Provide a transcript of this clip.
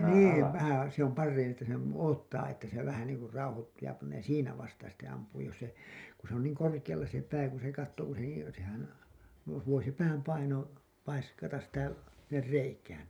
niin vähän se on parhain että sen odottaa että se vähän niin kuin rauhoittuu ja panee siinä vasta sitten ampuu jos se kun se on niin korkealla se pää kun se katsoo kun se niin sehän - voi se pään paino paiskata sitä sinne reikään